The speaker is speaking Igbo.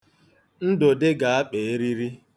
Ndụdị ga-akpa eriri.